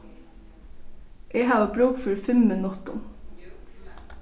eg havi brúk fyri fimm minuttum